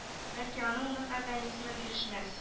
Бәлки аның нык организмы бирешмәс